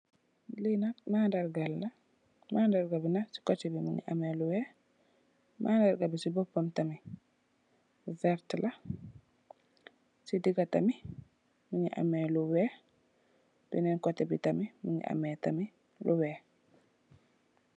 Li nak mandarga la màndarga bi nak si kote bi mongi am lu weex mandarga si bopam tamit lu vertax la si diga tamit mongi ame lu weex si benen kote bi tamit mongi ame tamit lu weex.